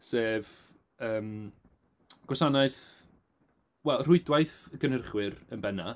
Sef yym gwasanaeth, wel - rwydwaith gynhyrchwyr yn benna.